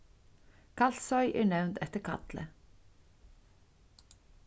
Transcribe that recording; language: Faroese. kalsoy er nevnd eftir kalli